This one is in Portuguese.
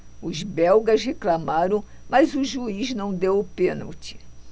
os belgas reclamaram mas o juiz não deu o pênalti